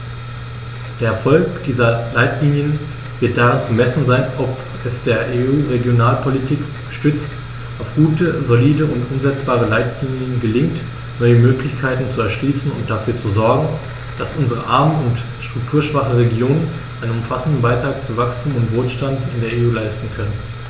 Der Erfolg dieser Leitlinien wird daran zu messen sein, ob es der EU-Regionalpolitik, gestützt auf gute, solide und umsetzbare Leitlinien, gelingt, neue Möglichkeiten zu erschließen und dafür zu sorgen, dass unsere armen und strukturschwachen Regionen einen umfassenden Beitrag zu Wachstum und Wohlstand in der EU leisten können.